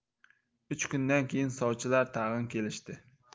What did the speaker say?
uch kundan keyin sovchilar tag'in kelishdi